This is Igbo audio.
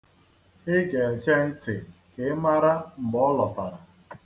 Ị ga-eche ntị ka ị mara mgbe ọ lọtara.